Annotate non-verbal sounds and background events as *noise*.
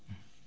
*hesitation* *hesitation*